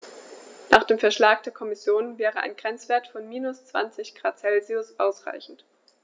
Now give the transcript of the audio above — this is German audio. Nach dem Vorschlag der Kommission wäre ein Grenzwert von -20 ºC ausreichend.